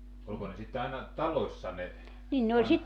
oliko ne sitten aina talossa ne -